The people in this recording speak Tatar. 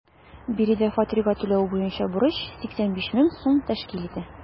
Биредә фатирга түләү буенча бурыч 85 мең сум тәшкил итә.